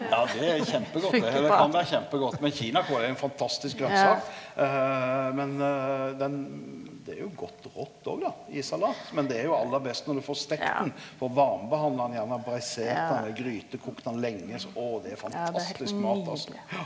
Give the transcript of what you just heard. ja det er kjempegodt det det kan vere kjempegodt, men kinakål er jo ein fantastisk grønsak, men den det er jo godt rått òg då i salat, men det er jo aller best når du får stekt den får varmebehandla den, gjerne bresert den i ein gryte, kokt han lenge, så å det er fantastisk mat altså ja.